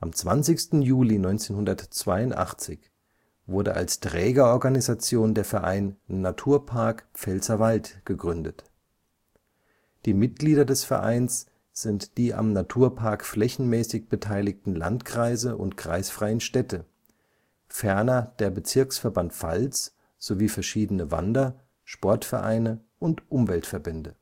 20. Juli 1982 wurde als Trägerorganisation der Verein Naturpark Pfälzerwald gegründet. Die Mitglieder des Vereins sind die am Naturpark flächenmäßig beteiligten Landkreise und kreisfreien Städte, ferner der Bezirksverband Pfalz sowie verschiedene Wander -, Sportvereine und Umweltverbände